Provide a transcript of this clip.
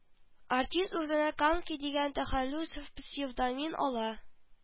Артист үзенә камский дигән тәхәллүс псевдоним ала